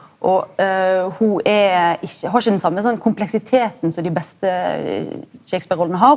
og ho er har ikkje den same sånn kompleksiteten som dei beste Shakespeare-rollene har.